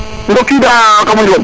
ndokida kamo Njob